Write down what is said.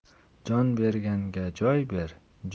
jon berganga joy ber